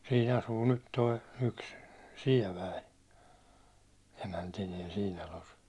siinä asuu nyt tuo yksi Sievänen emäntineen siinä talossa